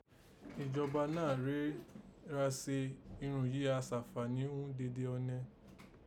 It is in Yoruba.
Ìjọba náà rèé ra se irun yìí ra sàǹfàní ghún dede ọnẹ